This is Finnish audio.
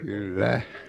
kyllä